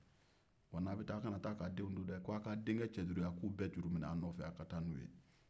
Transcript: wa n'a bɛ taa a kana taa k'a denw to dɛɛ ko a ka a denkɛ cɛ duuru a ka o juru minɛ a ka taa